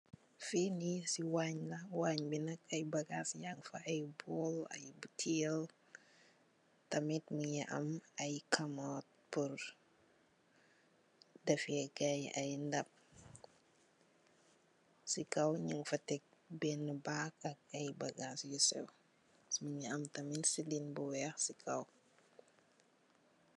Fi nee si wang la wang bi nak ay bagass yann fa ay bowl ay bottal tamit mogi ameh kummut pul defe kai au ndaap si kaw nyun fa tech bag ay bagass yu seew mogi am tamit ceiling bu weex si kaw.